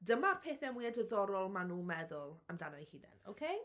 Dyma'r pethau mwyaf diddorol maen nhw'n meddwl amdano eu hunain, ok?